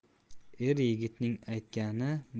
er yigitning aytgani